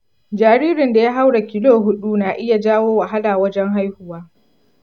jaririn da ya haura kilo huɗu na iya jawo wahala wajen haihuwa.